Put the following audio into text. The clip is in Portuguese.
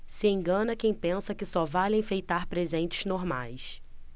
se engana quem pensa que só vale enfeitar presentes normais